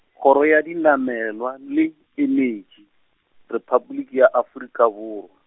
Kgoro ya Dinamelwa le Enetši, Repabliki ya Afrika Borwa.